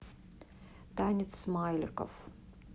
танец смайликов